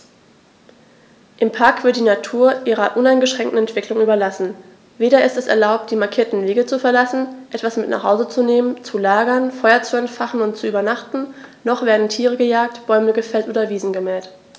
Im Park wird die Natur ihrer uneingeschränkten Entwicklung überlassen; weder ist es erlaubt, die markierten Wege zu verlassen, etwas mit nach Hause zu nehmen, zu lagern, Feuer zu entfachen und zu übernachten, noch werden Tiere gejagt, Bäume gefällt oder Wiesen gemäht.